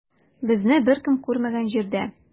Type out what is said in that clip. Безне беркем күрмәгән җирдә.